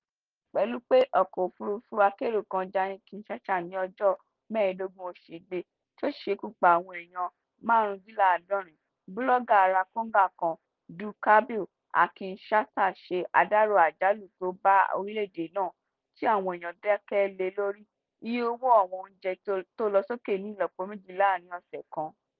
Pẹ̀lú pé ọkọ̀ òfurufú akẹ́rò kan já ní Kinshaha ní ọjọ́ 15 oṣù Igbe tí ó sì ṣekú pa àwọn eèyan 75, búlọ́gà ará Congo kan, Du Cabiau à Kinshasa ṣe àdárò àjálù tó bá orílẹ̀ èdè náà tí àwọn èèyàn dákẹ́ lé lórí: iye owó àwọn oúnjẹ tó lọ sókè ní ìlọ́po méjì láàárìn ọ̀sẹ̀ kan.